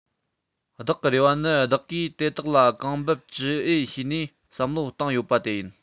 བདག གི རེ བ ནི བདག གིས དེ དག ལ གང འབབ ཅི འོས བྱས ནས བསམ བློ བཏང ཡོད པ དེ ཡིན